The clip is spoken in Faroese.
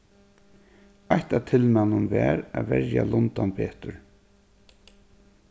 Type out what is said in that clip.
eitt av tilmælunum var at verja lundan betur